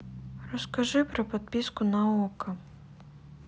расскажи про подписку на окко